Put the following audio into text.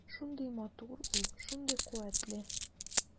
Шундый матур ул, шундый куәтле.